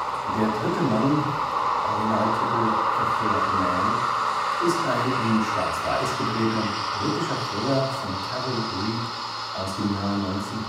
Der dritte Mann (Originaltitel: The Third Man) ist ein in Schwarzweiß gedrehter britischer Thriller von Carol Reed aus dem Jahr 1949